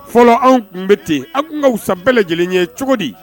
Fɔlɔ anw tun bɛ ten an tun ka san bɛɛ lajɛlen ye cogo di